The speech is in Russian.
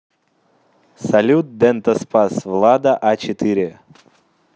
салют дентоспас влада а четыре